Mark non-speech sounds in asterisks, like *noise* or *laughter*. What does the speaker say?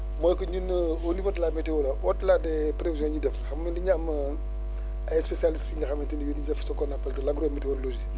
mooy que ñun au niveau de la météo là au delà des prévisions yi ñuy def xam nga dañuy am *hesitation* ay services yi nga xamante ne bii dañuy def ce qu' on appelle l' agrométéorologie